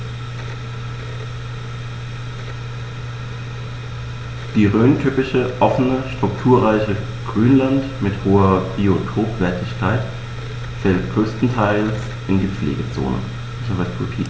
Das rhöntypische offene, strukturreiche Grünland mit hoher Biotopwertigkeit fällt größtenteils in die Pflegezone.